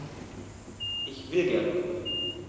Ich will gerne kochen.